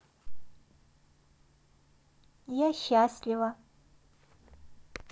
я счастлива